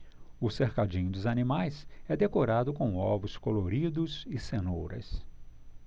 o cercadinho dos animais é decorado com ovos coloridos e cenouras